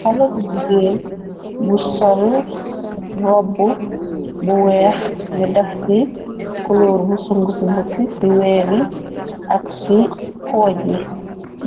Xale bu jigeen bu sol robbu bu weex ñu def ci kuluur bu sung si bukki ci weeni ak ci pooj yi